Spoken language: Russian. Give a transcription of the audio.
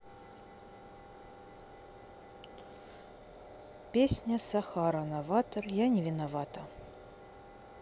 песня сахара новатор я не виновата